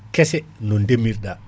kesse no ndeemirɗa